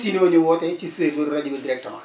si ñooñu woote ci serveur rajo bi directement